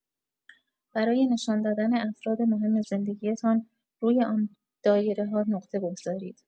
برای نشان‌دادن افراد مهم زندگی‌تان روی آن دایره‌ها نقطه بگذارید.